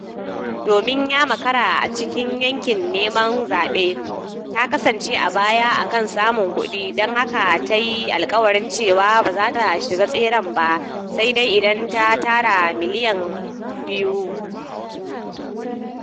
Domin ya makara a cikin yaƙin neman zaɓe, ta kasance a baya a kan samun kuɗi, don haka ta yi alƙawarin cewa ba za ta shiga tseren ba sai dai idan ta tara miliyan $2.